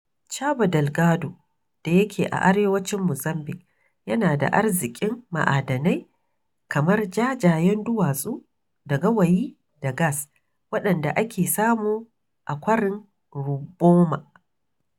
Cabo Delgado da yake a arewacin Mozambiƙue, yana da arziƙin ma'adanai kamar jajayen duwatsu da gawayi da gas, waɗanda ake samu a kwarin Roɓuma.